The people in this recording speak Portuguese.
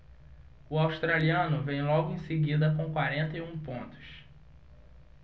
o australiano vem logo em seguida com quarenta e um pontos